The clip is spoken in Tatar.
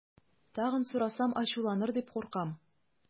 Тагын сорасам, ачуланыр дип куркам.